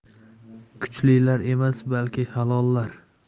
kuchlilar emas balki halollar